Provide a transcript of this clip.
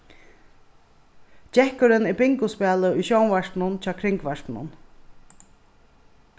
gekkurin er bingospælið í sjónvarpinum hjá kringvarpinum